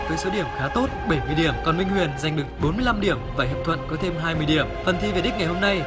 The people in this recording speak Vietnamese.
với số điểm khá tốt bảy mươi điểm còn minh huyền dành được bốn mươi lắm điểm và hiệp thuận có thêm hai mươi điểm phần thi về đích ngày hôm nay